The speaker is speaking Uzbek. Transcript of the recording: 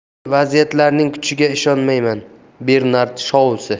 men vaziyatlarning kuchiga ishonmayman bernard shousi